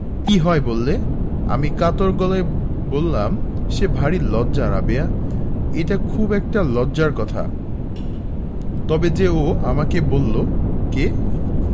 কি হয় বললে আমি কাতর গলায় বললাম সে ভারী লজ্জা রাবেয়া এটা খুব একটা লজ্জার কথা তবে যে ও আমাকে বললো কে